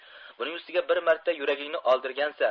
buning ustiga bir marta yuragingni oldirgansan